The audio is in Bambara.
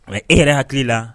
Mɛ e yɛrɛ hakili la